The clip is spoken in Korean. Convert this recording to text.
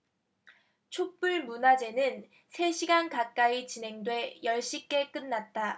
촛불 문화제는 세 시간 가까이 진행돼 열 시께 끝났다